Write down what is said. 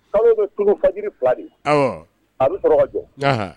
Hali bɛ sunkaji filali a bɛ sɔrɔ kajɔ